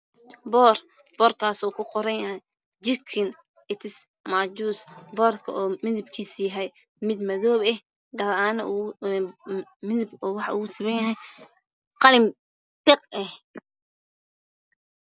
Waa boor waxaa kuqoran jikin itis maajuus. Boorka midabkiisu waa madow waana midab qalin tiq ah.